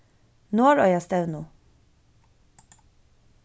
norðoyastevnu